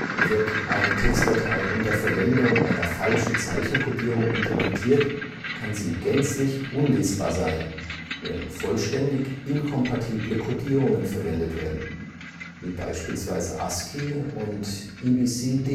Wird eine Textdatei unter Verwendung einer falschen Zeichencodierung interpretiert, kann sie gänzlich unlesbar sein, wenn vollständig inkompatible Codierungen verwendet werden – wie beispielsweise ASCII und EBCDIC